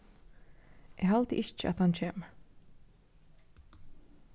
eg haldi ikki at hann kemur